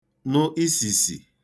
nụ isìsì